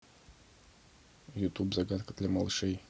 ютуб загадка для малышей